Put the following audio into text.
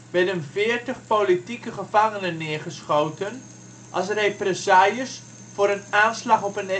werden veertig politieke gevangenen neergeschoten als represailles voor een aanslag op een